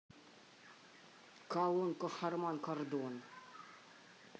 колонка харман кордон